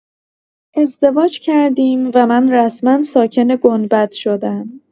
ازدواج کردیم و من رسما ساکن گنبد شدم.